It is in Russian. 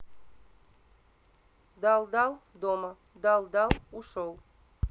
дал дал дома дал дал ушел